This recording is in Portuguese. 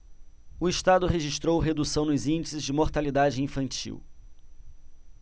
o estado registrou redução nos índices de mortalidade infantil